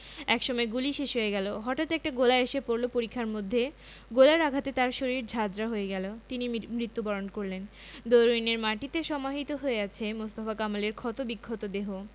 একসময় গুলি শেষ হয়ে গেল হটাঠ একটা গোলা এসে পড়ল পরিখার মধ্যে গোলার আঘাতে তার শরীর ঝাঁঝরা হয়ে গেল তিনি মৃত্যুবরণ করলেন দরুইনের মাটিতে সমাহিত হয়ে আছে মোস্তফা কামালের ক্ষতবিক্ষত দেহ